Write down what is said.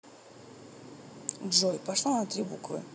джой пошла на три буквы